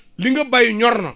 li nga bay ñor na